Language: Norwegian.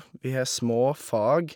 Vi har småfag.